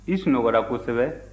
i sunɔgɔra kosɛbɛ